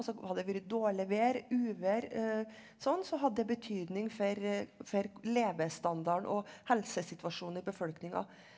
altså hadde det vært dårlig vær uvær sånn så hadde det betydning for for levestandarden og helsesituasjonen i befolkninga.